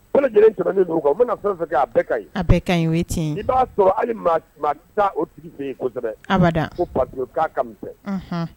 Lajɛlen dugu bɛna fɛn fɛ ka ɲi a ka ɲi ti i b'a sɔrɔ hali maa o tigi kosɛbɛ pa k'a kami